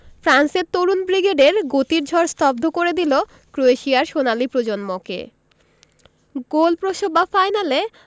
ফ্রান্সের তরুণ ব্রিগেডের গতির ঝড় স্তব্ধ করে দিল ক্রোয়েশিয়ার সোনালি প্রজন্মকে গোলপ্রসবা ফাইনালে